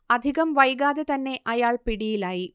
അധികം വൈകാതെ തന്നെ അയാൾ പിടിയിലായി